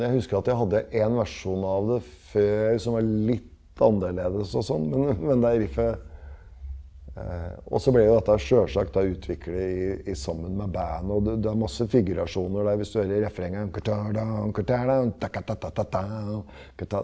jeg husker at jeg hadde en versjon av det før som var litt annerledes og sånn men med det riffet også ble jo dette sjølsagt utvikla i i sammen med bandet, og det det er masse figurasjoner der hvis du hører refrenget .